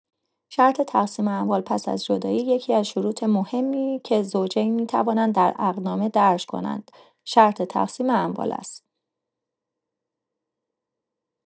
شرط تقسیم اموال پس از جدایی یکی‌از شروط مهمی که زوجین می‌توانند در عقدنامه درج کنند، شرط تقسیم اموال است.